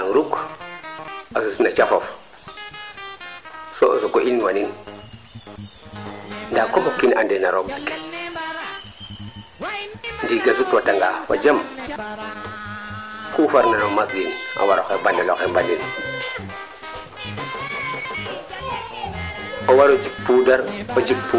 oxa anderona no ten tig koy ko waaja bota gara ko waaja so ka doon ma no kaaga yit roog wajiran i mbaaja i letna qeeñake o kentafo xu ga'oona o xupin yiif no ka farna no ndiing ne waaga joono qolum sax